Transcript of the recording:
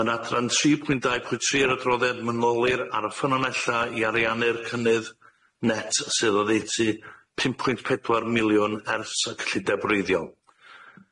Yn adran tri pwynt dau pwy tri'r adroddiad mynolir ar y ffynonella i ariannu'r cynnydd net sydd oddeutu pump pwynt pedwar miliwn ers y cyllideb wreiddiol.